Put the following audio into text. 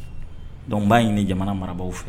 Dɔnku b'a ɲini jamana mara fɛ